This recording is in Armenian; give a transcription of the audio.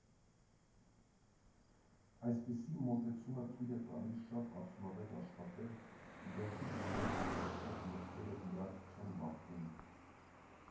Այսպիսի մոտեցումը թույլ է տալիս շատ արդյունավետ աշխատել՝ գլխիդ մեջ պտտվող մտքերը իրար չեն բախվում։